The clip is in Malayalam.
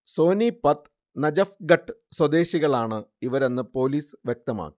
സോനിപത്ത്, നജഫ്ഘട്ട് സ്വദേശികളാണ് ഇവരെന്ന് പോലീസ് വ്യക്തമാക്കി